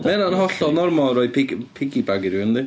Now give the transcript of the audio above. Mae hyna'n hollol normal, rhoi piggy piggyback i rywun yndi?